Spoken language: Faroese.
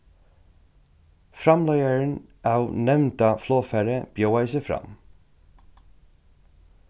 framleiðarin av nevnda flogfari bjóðaði seg fram